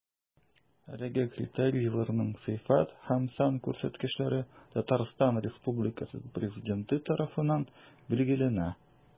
Әлеге критерийларның сыйфат һәм сан күрсәткечләре Татарстан Республикасы Президенты тарафыннан билгеләнә.